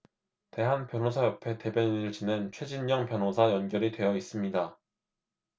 대한변호사협회 대변인을 지낸 최진녕 변호사 연결이 되어 있습니다